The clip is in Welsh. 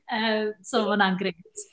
Yym so, ma' hwnna'n grêt.